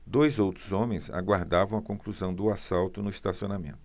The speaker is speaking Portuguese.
dois outros homens aguardavam a conclusão do assalto no estacionamento